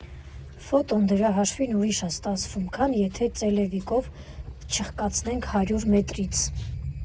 Ֆոտոն դրա հաշվին ուրիշ ա ստացվում, քան եթե ծելեվիկով չխկացնեի հարյուր մետրից։